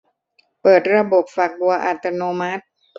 เปิดระบบฝักบัวอัตโนมัติ